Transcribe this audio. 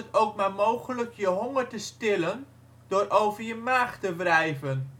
ook maar mogelijk je honger te stillen door over je maag te wrijven